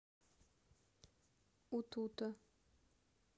утута